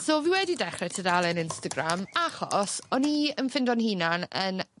So fi wedi dechre tudalen Instagram achos o'n i yn ffindo'n hunan yn